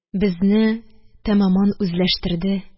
Безне тәмамән үзләштерде